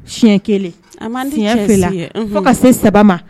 Tiɲɛ kelen tiɲɛ fo ka se saba ma